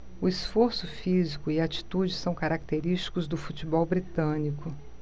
o esforço físico e a atitude são característicos do futebol britânico